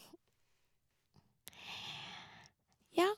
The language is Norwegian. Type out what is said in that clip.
Ja.